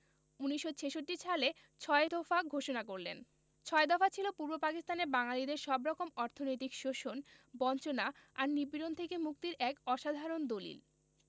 ১৯৬৬ সালে ৬ দফা ঘোষণা করলেন ছয় দফা ছিল পূর্ব পাকিস্তানের বাঙালিদের সবরকম অর্থনৈতিক শোষণ বঞ্চনা আর নিপীড়ন থেকে মুক্তির এক অসাধারণ দলিল